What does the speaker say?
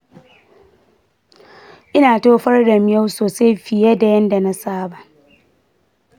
ina tofar da miyau sosai fiye da yanda na saba.